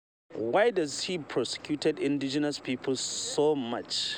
Why does he persecute indigenous people so much?